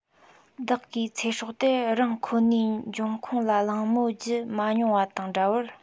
བདག གིས ཚེ སྲོག དེ རང ཁོ ནའི འབྱུང ཁུངས ལ གླེང མོལ བགྱི མ མྱོང པ དང འདྲ བར